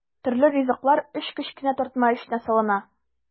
Төрле ризыклар өч кечкенә тартма эченә салына.